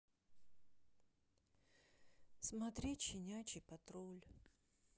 смотреть щенячий патруль